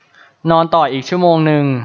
นอนต่ออีกชั่วโมงนึง